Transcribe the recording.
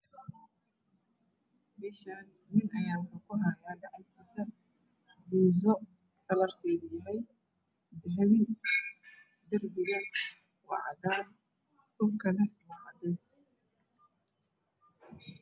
Meshan nin aya kuhayo gacanti biss kalarkedu yahay dahbi darbiga waa cadan dhulkan waa cades